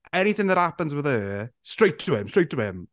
Anything that happens with her, straight to him, straight to him.